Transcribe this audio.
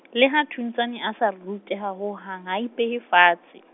le ha Thuntshane a sa ruteha ho hang ha a I peye fatse.